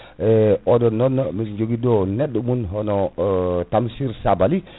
oɗon non min jogui ɗo neɗɗo mum hono Tamsir Sabaly